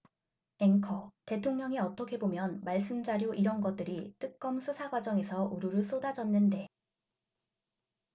앵커 대통령이 어떻게 보면 말씀자료 이런 것들이 특검 수사 과정에서 우루루 쏟아졌는데